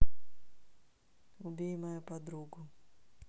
убей мою подругу